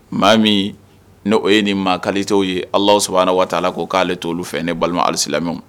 Maa min ne o ye ni mali' ye ala sɔrɔ ala waati taa ala ko k'ale t'olu fɛ ne balima alisila